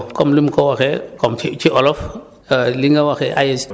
bon comme ni mu ko waxee comme ci ci olof li nga waxee ay